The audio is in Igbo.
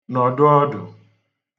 nòdụ ọdụ̀